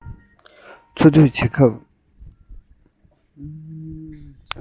འཚོ སྡོད བྱེད སྐབས